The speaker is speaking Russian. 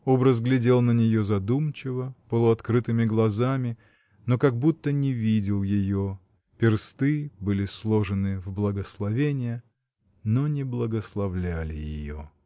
Образ глядел на нее задумчиво, полуоткрытыми глазами, но как будто не видел ее, персты были сложены в благословение, но не благословляли ее.